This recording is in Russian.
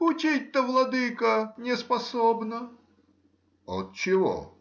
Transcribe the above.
— учить-то, владыко, неспособно. — Отчего?